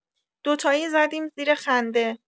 دوتایی زدیم زیر خنده